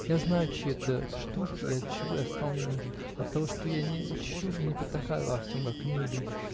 -- Я знаю, чьи это штуки и отчего я стал не нужен: оттого, что я не льщу и не потакаю во всем, как иные люди.